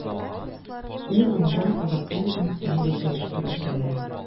Ул анда вокаль ансамбль оештырып җибәрә.